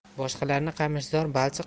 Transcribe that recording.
boshqalarini qamishzor balchiq